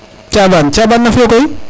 Thiaban nam fio koy